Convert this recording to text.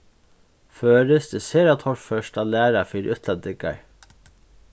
føroyskt er sera torført at læra fyri útlendingar